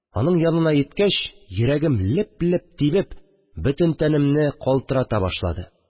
Аның янына йиткәч, йөрәгем, леп-леп тибеп, бөтен тәнемне калтырата башлады